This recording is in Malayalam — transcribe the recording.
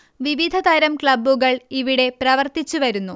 വിവിധതരം ക്ലബ്ബുകൾ ഇവിടെ പ്രവർത്തിച്ച് വരുന്നു